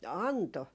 antoi